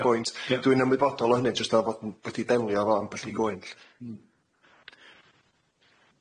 A reit jyst yn bwynt. Ia. Dwi'n ymwybodol o hynny jyst o fod yn wedi delio fo ambell i gwyn